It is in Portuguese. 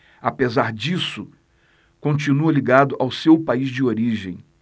apesar disso continua ligado ao seu país de origem